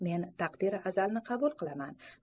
men taqdiri azalni qabul qilaman